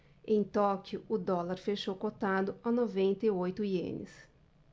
em tóquio o dólar fechou cotado a noventa e oito ienes